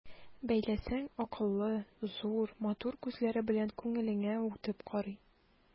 Бәйләсәң, акыллы, зур, матур күзләре белән күңелеңә үтеп карый.